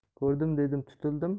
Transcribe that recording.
ko'rdim dedim tutildim